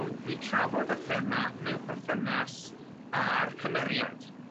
ond dwi'n trafod y thema mewn perthynas a'r cymeriad